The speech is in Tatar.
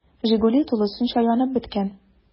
“жигули” тулысынча янып беткән.